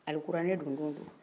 alikuranɛ dondonw do